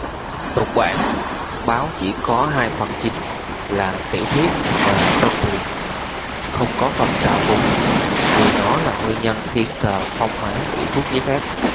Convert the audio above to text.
tục bản báo chỉ có hai phần chính là tiểu thuyết và trông tìm không có phần trào phúng vì nó là nguyên nhân khiến tờ phong hóa bị rút giấy phép